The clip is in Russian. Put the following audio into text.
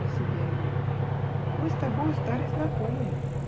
-- спросил я его, -- мы с тобою старые знакомые".